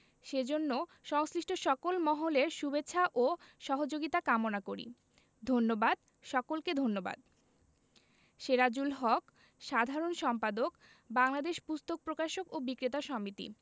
সেজন্য সংশ্লিষ্ট সকল মহলের শুভেচ্ছা ও সহযোগিতা কামনা করি ধন্যবাদ সকলকে ধন্যবাদ সেরাজুল হক সাধারণ সম্পাদক বাংলাদেশ পুস্তক প্রকাশক ও বিক্রেতা সমিতি